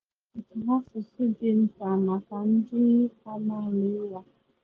John Edward: Nka asụsụ dị mkpa maka ndị amaala ụwa